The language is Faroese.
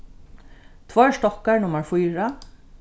tveir stokkar nummar fýra